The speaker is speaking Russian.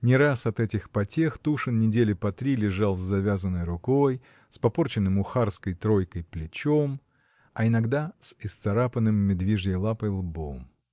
Не раз от этих потех Тушин недели по три лежал с завязанной рукой, с попорченным ухарской тройкой плечом, а иногда исцарапанным медвежьей лапой лбом.